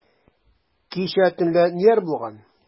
Кичә төнлә ниләр булган?